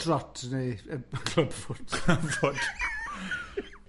Footrot, neu yy club foot.